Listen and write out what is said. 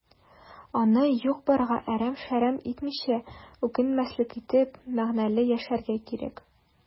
Аны юк-барга әрәм-шәрәм итмичә, үкенмәслек итеп, мәгънәле яшәргә кирәк.